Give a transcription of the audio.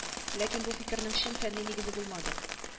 Ләкин бу фикернең чын фәнни нигезе булмады